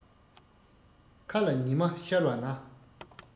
མཁའ ལ ཉི མ ཤར བ ན